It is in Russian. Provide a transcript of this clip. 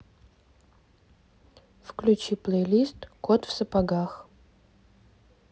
включи плейлист кот в сапогах